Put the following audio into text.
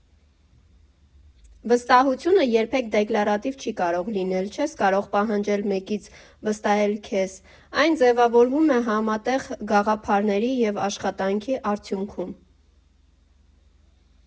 Վստահությունը երբեք դեկլարատիվ չի կարող լինել։ Չես կարող պահանջել մեկից վստահել քեզ, այն ձևավորվում է համատեղ գաղափարների և աշխատանքի արդյունքում։